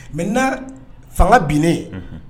Maintenant fanga binnen. Unhun!